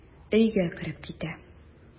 Өйгә кереп китә.